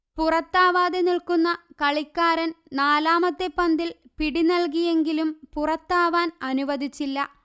പുറത്താവാതെ നില്ക്കുന്ന കളിക്കാരൻ നാലാമത്തെ പന്തിൽ പിടി നല്കിയെങ്കിലും പുറത്താവാൻഅനുവദിച്ചില്ല